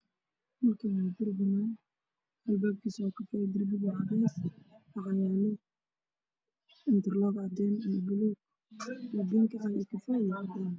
Waa guri albaabkiisu yahay madow